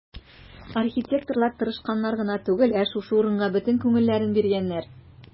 Архитекторлар тырышканнар гына түгел, ә шушы урынга бөтен күңелләрен биргәннәр.